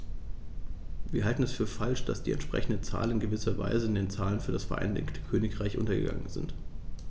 Wir halten es für falsch, dass die entsprechenden Zahlen in gewisser Weise in den Zahlen für das Vereinigte Königreich untergegangen sind.